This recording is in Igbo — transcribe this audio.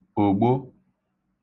ògbo